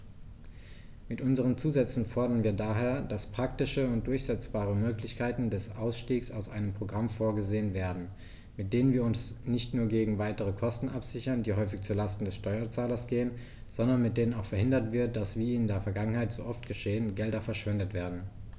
Mit unseren Zusätzen fordern wir daher, dass praktische und durchsetzbare Möglichkeiten des Ausstiegs aus einem Programm vorgesehen werden, mit denen wir uns nicht nur gegen weitere Kosten absichern, die häufig zu Lasten des Steuerzahlers gehen, sondern mit denen auch verhindert wird, dass, wie in der Vergangenheit so oft geschehen, Gelder verschwendet werden.